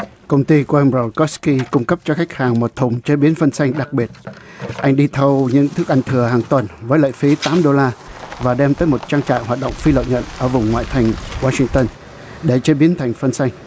công ty của em pồ cốt ki cung cấp cho khách hàng một thùng chế biến phần xanh đặc biệt anh đi thâu những thức ăn thừa hàng tuần với lệ phí tám đô la và đem tới một trang trại hoạt động phi lợi nhuận ở vùng ngoại thành goa sinh tơn để chế biến thành phân xanh